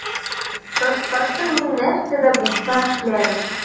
Кыскасы, мин нәрсә дә булса эшләрмен.